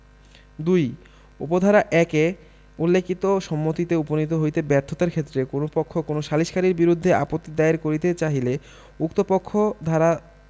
২ উপ ধারা ১ এ উল্লেখিত সম্মতিতে উপনীত হইতে ব্যর্থতার ক্ষেত্রে কোন পক্ষ কোন সালিসকারীর বিরুদ্ধে আপত্তি দায়ের করিতে চাহিলে উক্ত পক্ষ ধারা